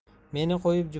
meni qo'yib jubaring